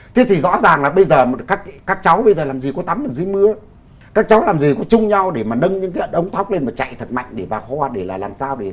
thế thì rõ ràng là bây giờ các các cháu bây giờ làm gì có tắm ở dưới mưa các cháu làm gì có chung nhau để mà nâng lên cả đống khóc nên chạy thật mạnh để bắn pháo hoa để là làm sao để